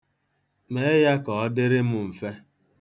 Mee ya ka ọ dịrị m mfe.